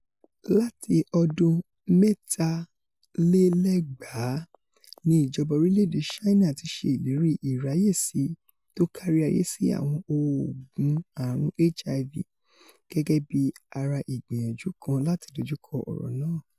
Láti ọdún 2003, ni ìjọba orílẹ̀-èdè Ṣáínà ti ṣè ìlérí ìráyèsí tókáríayé sí àwọn òògùn ààrun HIV gẹ́gẹ́bí ara ìgbìyànjú kan láti dójukọ ọ̀rọ̀ náà.